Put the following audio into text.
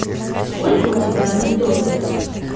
сколько у тебя анекдотов